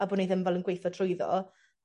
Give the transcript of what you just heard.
a bo' ni ddim fel yn gweitho trwyddo.